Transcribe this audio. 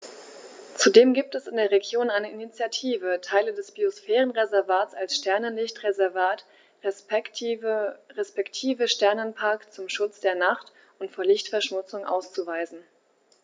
Zudem gibt es in der Region eine Initiative, Teile des Biosphärenreservats als Sternenlicht-Reservat respektive Sternenpark zum Schutz der Nacht und vor Lichtverschmutzung auszuweisen.